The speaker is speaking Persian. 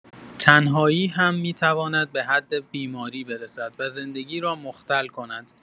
تنهایی هم می‌تواند به حد بیماری برسد و زندگی را مختل کند.